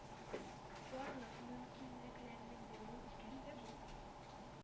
Барлык мөмкинлекләрнең булуын искәртеп,